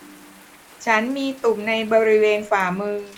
ฉันมีตุ่มในบริเวณฝ่ามือ